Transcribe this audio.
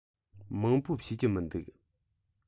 མང པོ ཤེས ཀྱི མི འདུག